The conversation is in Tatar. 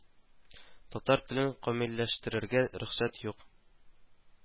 Татар телен камилләштерергә рөхсәт юк